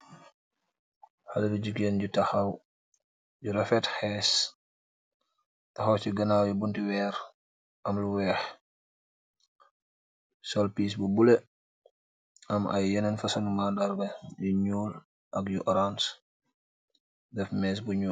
Haleh bu jigeen bu taxaw bu refet hess taxaw si nagaw bunta bu weex am lu weex sool pess bu bulo aam ay yenen fosong mandarga yu nuul ak yu oranss deff mess bu nuul.